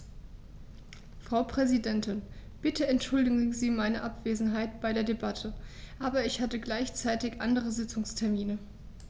Frau Präsidentin, bitte entschuldigen Sie meine Abwesenheit bei der Debatte, aber ich hatte gleichzeitig andere Sitzungstermine.